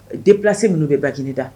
Delase minnu bɛ bagc da